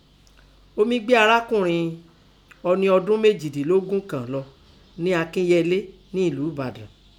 Omi gbé arákùnrin ọni ọdún méjìdílógún kàn lọ nẹ Akínyẹlé nẹ ẹlú ẹ̀bàdàn.